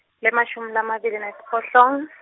lengemashumi lamabili nesiphohlongo.